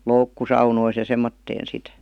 - loukkusaunoissa ja semmoiseen sitten